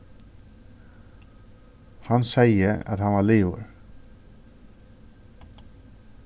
hann segði at hann var liðugur